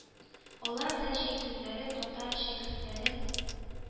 Алар да җәй көннәре татар шәкертләрен